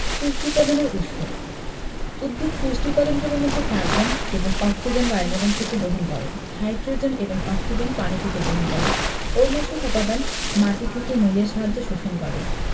পুষ্টি উপাদানের উৎস উদ্ভিদ পুষ্টি উপাদানগুলোর মধ্যে কার্বন এবং অক্সিজেন বায়ুমণ্ডল থেকে গ্রহণ করে হাই্ড্রোজেন এবং অক্সিজেন পানি থেকে গ্রহণ করে অন্যসব উপাদান মাটি থেকে মূলের সাহায্যে শোষণ করে